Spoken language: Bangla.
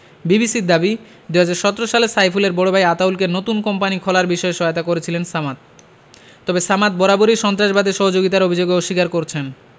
বিবিসির দাবি ২০১৭ সালে সাইফুলের বড় ভাই আতাউলকে নতুন কোম্পানি খোলার বিষয়ে সহায়তা করেছিলেন সামাদ তবে সামাদ বরাবরই সন্ত্রাসবাদে সহযোগিতার অভিযোগ অস্বীকার করছেন